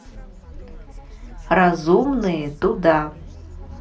разумные туда